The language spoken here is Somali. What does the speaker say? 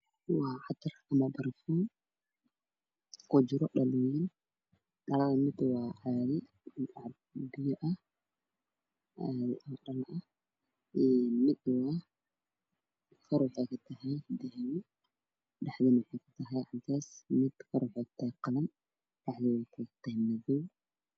Waxaa ii muuqda afar burbuun laba midabkoodu waa midow midna waa caddaan mid kalana waa dambas